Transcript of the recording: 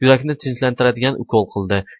yurakni tinchlantiradigan ukol qildi